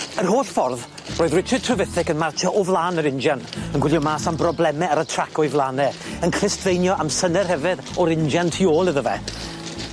Yr holl ffordd, roedd Richard Trevithick yn martsio o flan yr injan yn gwylio mas am brobleme ar y trac o'i flan e yn clustfeinio am syne rhyfedd o'r injan tu ôl iddo fe.